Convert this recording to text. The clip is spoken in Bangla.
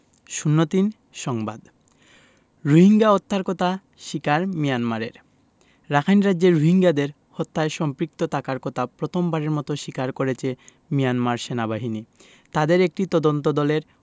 ০৩ সংবাদ রোহিঙ্গা হত্যার কথা স্বীকার মিয়ানমারের রাখাইন রাজ্যে রোহিঙ্গাদের হত্যায় সম্পৃক্ত থাকার কথা প্রথমবারের মতো স্বীকার করেছে মিয়ানমার সেনাবাহিনী তাদের একটি তদন্তদলের